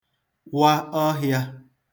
wa ọhịā